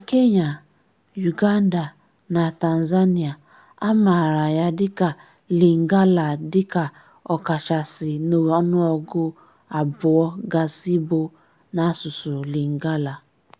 Na Kenya, Uganda, na Tanzania, a maara ya dịka Lingala dịka ọ kachasị n'ọnụọgụ abụ gasị bụ n'asụsụ Lingala.